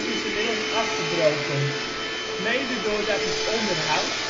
is inmiddels afgebroken. Mede doordat het onderhoud